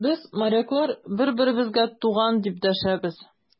Без, моряклар, бер-беребезгә туган, дип дәшәбез.